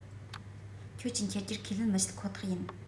ཁྱོད ཀྱིས ཁྱེར རྒྱུར ཁས ལེན མི བྱེད ཁོ ཐག ཡིན